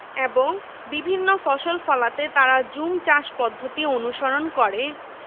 এবং বিভিন্ন ফসল ফলাতে তারা জুম চাষপদ্ধতি অনুসরণ করে